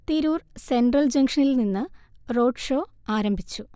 Tirur central ജംഗ്ഷനിൽ നിന്ന് road show ആരംഭിച്ചു